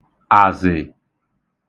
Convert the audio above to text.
àzị̀